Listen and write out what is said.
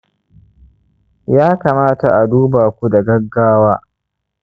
ya kamata a duba ku da gaggawa